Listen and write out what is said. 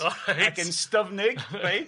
O reit. Ac yn styfnig reit?